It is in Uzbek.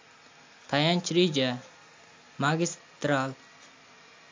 tayanch reja